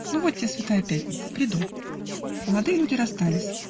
-- "Ну вот те святая пятница, приду". Молодые люди расстались.